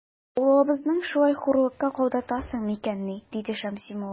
Авылыбызны шулай хурлыкка калдыртасың микәнни? - диде Шәмси мулла.